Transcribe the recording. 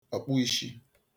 ọ̀kpụīshī